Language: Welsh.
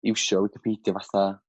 iwsio Wicipidia fatha